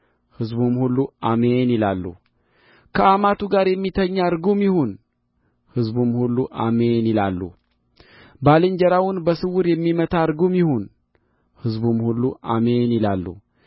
ሕዝቡም ሁሉ አሜን ይላሉ ከአማቱ ጋር የሚተኛ ርጉም ይሁን ሕዝቡም ሁሉ አሜን ይላሉ ባልንጀራውን በስውር የሚመታ ርጉም ይሁን ሕዝቡም ሁሉ አሜን ይላሉ